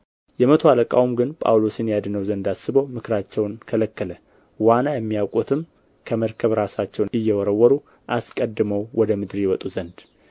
የመቶ አለቃው ግን ጳውሎስን ያድነው ዘንድ አስቦ ምክራቸውን ከለከለ ዋና የሚያውቁትም ከመርከብ ራሳቸውን እየወረወሩ አስቀድመው ወደ ምድር ይወጡ ዘንድ